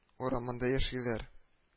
Урамында яшиләр